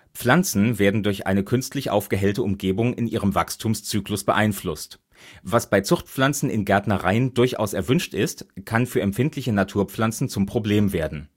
Pflanzen werden durch eine künstlich aufgehellte Umgebung in ihrem Wachstumszyklus beeinflusst: Was bei Zuchtpflanzen in Gärtnereien durchaus erwünscht ist, kann für empfindliche Naturpflanzen zum Problem werden